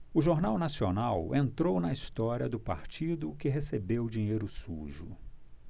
o jornal nacional entrou na história do partido que recebeu dinheiro sujo